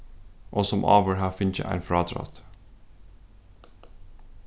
og sum áður hava fingið ein frádrátt